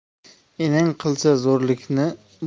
enang qilsa zo'rlikni